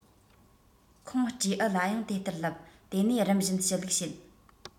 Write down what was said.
ཁོང སྤྲེའུ ལ ཡང དེ ལྟར ལབ དེ ནས རིམ བཞིན ཞུ ལུགས བྱེད